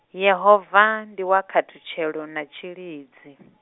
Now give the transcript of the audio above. Yehova ndi wa khathutshelo na tshilidzi.